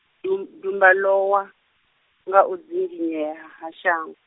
dum- dumba lowa, nga u dzinginyea ha shang-.